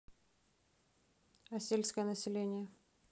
а сельское население